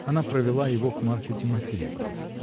она провела его к Марфе Тимофеевне.